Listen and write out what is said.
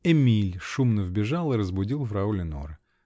Эмиль шумно вбежал и разбудил фрау Леноре.